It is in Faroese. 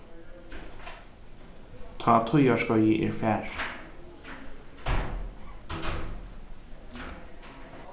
tá tíðarskeiðið er farið